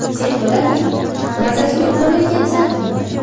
sen bola diyman mazasi yo'q bola ekansan diyman